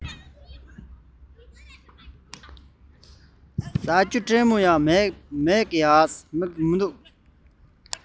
རྔན པ སྤྲོད མཁན ཡང མེད པ འདྲ